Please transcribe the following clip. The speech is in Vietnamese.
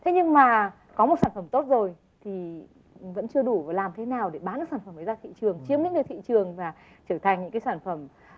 thế nhưng mà có một sản phẩm tốt rồi thì vẫn chưa đủ làm thế nào để bán sản phẩm ra thị trường chiếm lĩnh được thị trường và trở thành những cái sản phẩm